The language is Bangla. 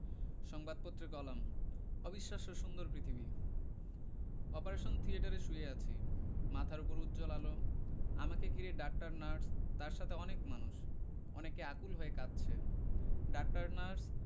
সংবাদপত্রের কলাম অবিশ্বাস্য সুন্দর পৃথিবী অপারেশন থিয়েটারে শুয়ে আছি মাথার ওপর উজ্জ্বল আলো আমাকে ঘিরে ডাক্তার নার্স তার সাথে অনেক মানুষ অনেকে আকুল হয়ে কাঁদছে ডাক্তার নার্স